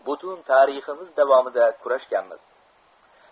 butun tariximiz davomida kurashganmiz